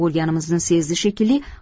bo'lganimizni sezdi shekilli